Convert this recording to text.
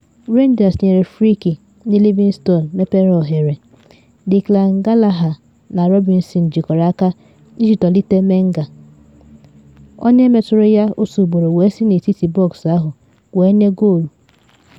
Rangers nyere frikik, ndị Livingston mepere oghere, Declan Gallagher na Robinson jikọrọ aka iji tọlite Menga, onye metụrụ ya otu ugboro wee si n’etiti bọksị ahụ wee nye goolu.